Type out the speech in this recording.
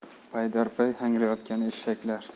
paydar pay hangrayotgan eshaklar